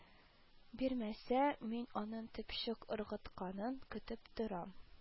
Бирмәсә, мин аның төпчек ыргытканын көтеп торам